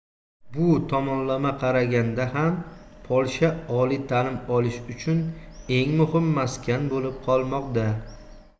bu tomonlama qaraganda ham polsha oliy ta'lim olish uchun muhim maskan bo'lib qolmoqda